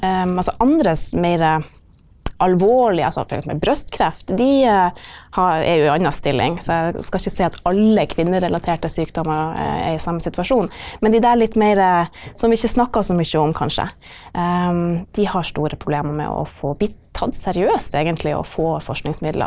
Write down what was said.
altså andre mere alvorlige altså brystkreft de er jo ei anna stilling, så jeg skal ikke si at alle kvinnerelaterte sykdommer er i samme situasjon, men de der litt mere som vi ikke snakker så mye om kanskje de har store problemer med å få bli tatt seriøst egentlig og få forskningsmidler.